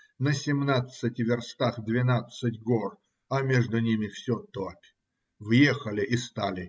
на семнадцати верстах двенадцать гор, а между ними все топь. Въехали и стали.